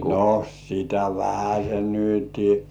no sitä vähäsen nyt